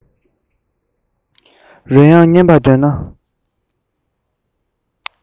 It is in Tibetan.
རོལ དབྱངས ཉན པར འདོད ན